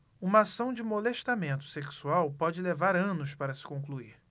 uma ação de molestamento sexual pode levar anos para se concluir